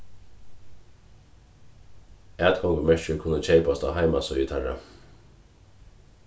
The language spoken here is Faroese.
atgongumerkir kunnu keypast á heimasíðu teirra